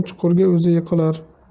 chuqurga o'zi yiqilar